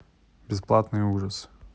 бесплатные ужасы